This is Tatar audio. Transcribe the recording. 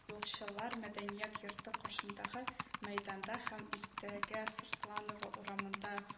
Юлчылар мәдәният йорты каршындагы мәйданда һәм иртәгә сыртланова урамында